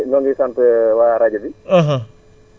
waa jërëjëf ñun ñoo ngi ñoo ngi sant waa rajo bi